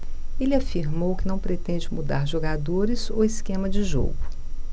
ele afirmou que não pretende mudar jogadores ou esquema de jogo